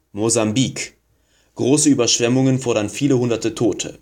Mosambik: Große Überschwemmungen fordern viele hunderte Tote